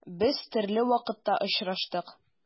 Без төрле вакытта очраштык.